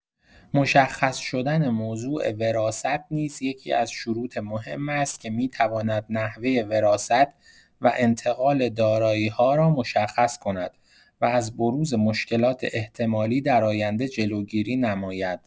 مشخص شدن موضوع وراثت نیز یکی‌از شروط مهم است که می‌تواند نحوه وراثت و انتقال دارایی‌ها را مشخص کند و از بروز مشکلات احتمالی در آینده جلوگیری نماید.